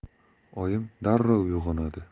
oyim darrov uyg'onadi